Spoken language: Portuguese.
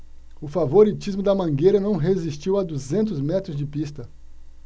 o favoritismo da mangueira não resistiu a duzentos metros de pista